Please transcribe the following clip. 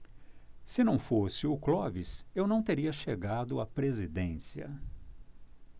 se não fosse o clóvis eu não teria chegado à presidência